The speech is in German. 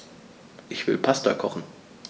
Ich will Pasta kochen.